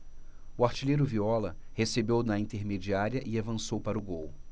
o artilheiro viola recebeu na intermediária e avançou para o gol